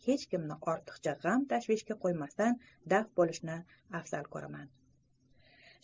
hech kimni ortiqcha g'am tashvishga qo'ymasdan daf bo'lishni afzal ko'raman